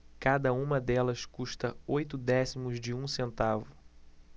cada uma delas custa oito décimos de um centavo